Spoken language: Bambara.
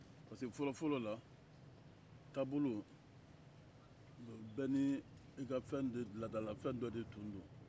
fɔlɔ fɔlɔ la taabolo bɛɛ n'i ka laadalafɛn dɔ de tun don